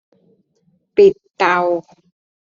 ปิดเตา